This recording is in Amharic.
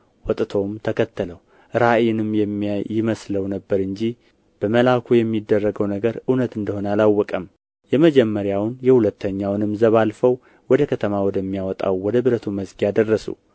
ወጥቶም ተከተለው ራእይንም የሚያይ ይመስለው ነበር እንጂ በመልአኩ የሚደረገው ነገር እውነት እንደ ሆነ አላወቀም የመጀመሪያውንና የሁለተኛውንም ዘብ አልፈው ወደ ከተማ ወደሚያወጣው ወደ ብረቱ መዝጊያ ደረሱ